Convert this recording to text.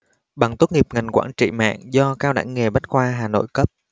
bằng tốt nghiệp ngành quản trị mạng do cao đằng nghề bách khoa hà nội cấp